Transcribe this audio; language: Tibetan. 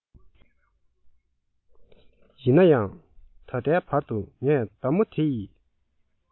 ཡིན ན ཡང ད ལྟའི བར དུ ངས མདའ མོ དེ ཡིས